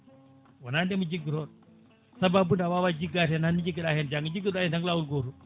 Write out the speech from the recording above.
wona ndeema joggotoɗo sababude a wawa jiggade hen hande jiggoɗa hen janggo jiggotoɗa hen tan ko lawol gotol